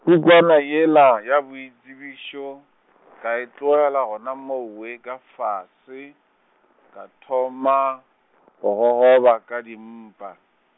pukwana yela ya boitsebišo, ka e tlogela gona moo we ka fase, ka thoma, go gogoba ka dimpa.